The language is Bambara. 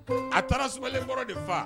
A taara sulenkɔrɔ de faa